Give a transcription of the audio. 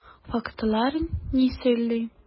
Фактлар ни сөйли?